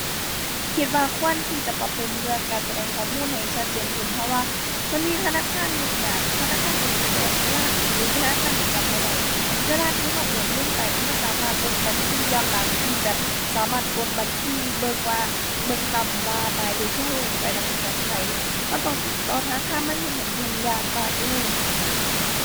คิดว่าควรที่จะปรับปรุงเรื่องการแสดงข้อมูลให้ชัดเจนขึ้น เพราะว่า มันมีธนาคารหนึ่งน่ะ ธนาคารกสิกรเวลา หรือธนาคารจำบ่ได้ เวลาที่เราโอนเงินไปมันบ่สามารถเบิ่งบัญชีย้อนหลังที่แบบ สามารถกดบัญชีเบิ่งว่า เบิ่งซ้ำว่าหมายเลขที่เราโอนไปน่ะเป็นของไผ เราต้องติดต่อธนาคารมันเฮ็ดให้ยุ่งยากมากเลย